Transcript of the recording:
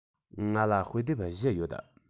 ང ལ དཔེ དེབ བཞི ཡོད